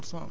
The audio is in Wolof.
dëgg la